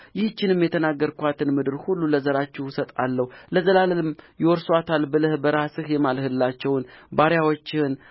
ይህችንም የተናገርኋትን ምድር ሁሉ ለዘራችሁ እሰጣታለሁ ለዘላለምም ይወርሱአታል ብለህ በራስህ የማልህላቸውን ባሪያዎችህን